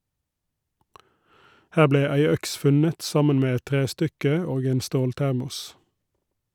Her ble ei øks funnet, sammen med et trestykke og en ståltermos.